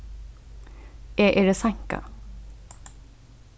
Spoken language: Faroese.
eg eri seinkað